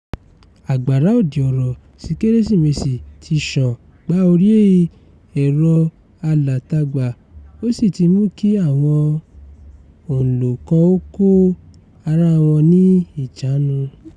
Àgbàrá òdì ọ̀rọ̀ sí Kérésìmesì ti ṣàn gba orí ẹ̀rọ-alátagbà ó sì ti mú kí àwọn òǹlò kan ó kó ara wọn ní ìjánu.